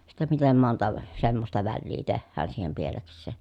sitten miten monta semmoista väliä tehdään siihen pielekseen